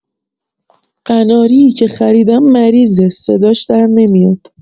قناری که خریدم مریضه، صداش در نمیاد.